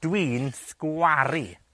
Dw i'n sgwaru.